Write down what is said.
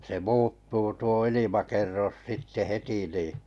se muuttuu tuo ilmakerros sitten heti niin